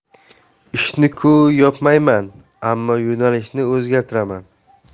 ishni ku yopmayman ammo yo'nalishni o'zgartiraman